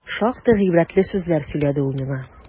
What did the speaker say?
Шактый гыйбрәтле сүзләр сөйләде ул миңа.